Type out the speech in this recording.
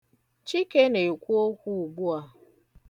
Chike na-ekwu okwu ugbu a.